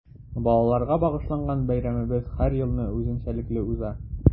Балаларга багышланган бәйрәмебез һәр елны үзенчәлекле уза.